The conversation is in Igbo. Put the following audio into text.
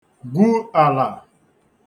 gwu alà